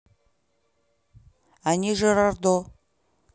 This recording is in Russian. анни жирардо